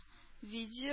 Видео